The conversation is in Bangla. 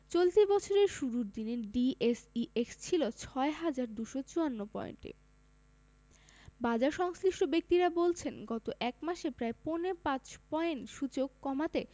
চলতি বছরের শুরুর দিনে ডিএসইএক্স ছিল ৬ হাজার ২৫৪ পয়েন্টে বাজারসংশ্লিষ্ট ব্যক্তিরা বলছেন গত এক মাসে প্রায় পৌনে ৫০০ পয়েন্ট সূচক কমাতে